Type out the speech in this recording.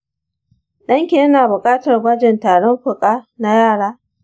ɗanki yana buƙatar gwajin tarin fuka na yara.